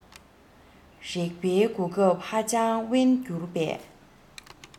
རེག པའི གོ སྐབས ཧ ཅང དབེན འགྱུར པས